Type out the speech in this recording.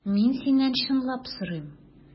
Мин синнән чынлап сорыйм.